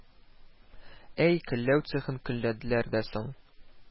Әй, көлләү цехын көлләделәр дә соң